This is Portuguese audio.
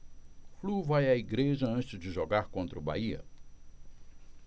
flu vai à igreja antes de jogar contra o bahia